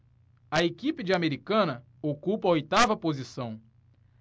a equipe de americana ocupa a oitava posição